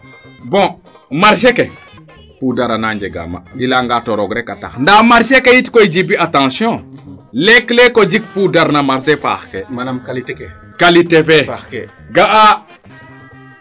bon marchée ek poudre :far ana njega ma i leya ng to roog reka tax ndaa marchée ke yit Djiby attention leek leek o jik poudre no marchée faaxke qualité fee faaxke ga'a